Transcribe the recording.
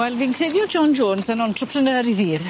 Wel fi'n credu o'dd John Jones yn entrepreneur 'i ddydd.